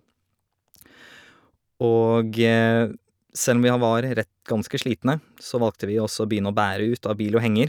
Og selv om vi ha var ret ganske slitne, så valgte vi å så begynne å bære ut av bil og henger.